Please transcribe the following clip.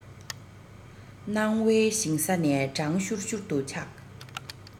སྣང བའི ཞིང ས ནས གྲང ཤུར ཤུར དུ ཆག